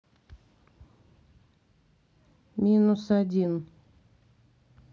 минус один